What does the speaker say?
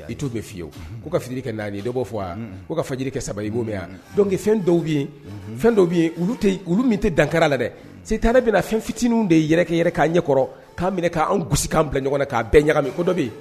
I t'o mɛ fiyewu ko ka fitiri kɛ 4 ye dɔ b'o fɔ a unhun ko ka fajiri kɛ 3 ye i b'o mɛ a donc fɛn dɔw bi ye unhun fɛn dɔw bi ye olu te olu min te dankar'a la dɛ setanɛ bena fɛn fitininw de yɛrɛkɛ yɛrɛk'an ɲɛ kɔrɔ k'an minɛ ka an gosi k'an bila ɲɔgɔn na k'a bɛɛ ɲagami ko dɔ be ye